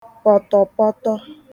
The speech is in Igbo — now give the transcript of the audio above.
pọ̀tọ̀pọtọ